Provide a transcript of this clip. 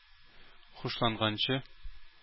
Хушланганчы